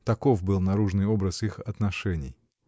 Таков был наружный образ их отношений.